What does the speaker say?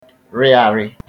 rị arị̄